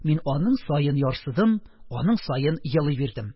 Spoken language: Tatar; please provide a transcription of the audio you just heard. Мин аның саен ярсыдым, аның саен елый бирдем.